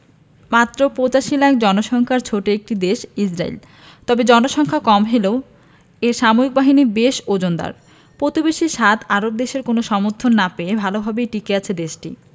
মাত্র ৮৫ লাখ জনসংখ্যার ছোট্ট একটি দেশ ইসরায়েল তবে জনসংখ্যা কম হেলেও এর সামরিক বাহিনী বেশ ওজনদার প্রতিবেশী সাত আরব দেশের কোনো সমর্থন না পেয়েও ভালোভাবেই টিকে আছে দেশটি